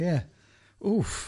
Ie, wff!